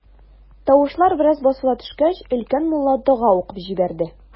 Тавышлар бераз басыла төшкәч, өлкән мулла дога укып җибәрде.